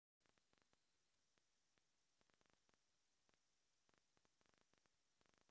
соколов и ваенга